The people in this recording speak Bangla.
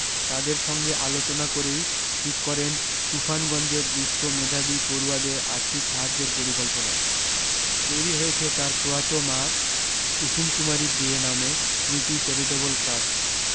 তাদের সঙ্গে আলোচনা করেই ঠিক করেন তুফানগঞ্জের দুস্থ মেধাবী পড়ুয়াদের আর্থিক সাহায্যের পরিকল্পনা তৈরী হয়েছে তার প্রয়াত মা কূসুম কুমারী দে নামে স্মৃতি চ্যারিটেবল ট্রাস্ট